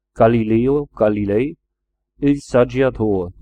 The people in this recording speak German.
Galileo Galilei: Il Saggiatore